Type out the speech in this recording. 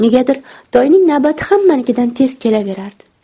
negadir toyning navbati hammanikidan tez kelaverardi